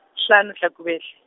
hlano Hlakubele.